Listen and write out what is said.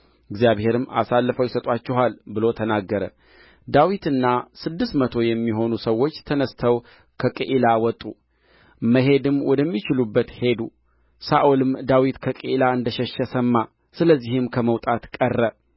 እግዚአብሔርም አሳልፈው ይሰጡአችኋል ብሎ ተናገረ ዳዊትና ስድስት መቶ የሚሆኑ ሰዎችም ተነሥተው ከቅዒላ ወጡ መሄድም ወደሚችሉበት ሄዱ ሳኦልም ዳዊት ከቅዒላ እንደ ሸሸ ሰማ ስለዚህም ከመውጣት ቀረ